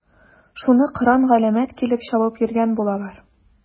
Шуны кыран-галәмәт килеп чабып йөргән булалар.